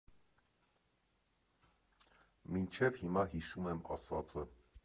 Մինչև հիմա հիշում եմ ասածը։